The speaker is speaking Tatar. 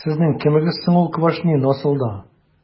Сезнең кемегез соң ул Квашнин, асылда? ..